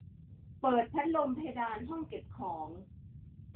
เปิดพัดลมเพดานห้องเก็บของ